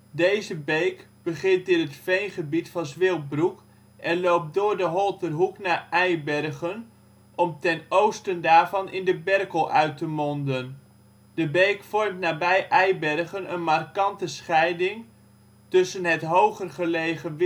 Deze beek begint in het veengebied van Zwilbroek en loopt door de Holterhoek naar Eibergen, om ten oosten daarvan in de Berkel uit te monden. De beek vormt nabij Eibergen een markante scheiding tussen het hoger gelegen